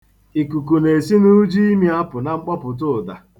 Ikuku na-esi n'ujiime apụ na mkpọpụta ụda.